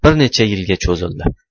bir necha yilga cho'zildi